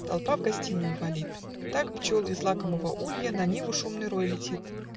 Толпа в гостиную валит: Так пчел из лакомого улья На ниву шумный рой летит.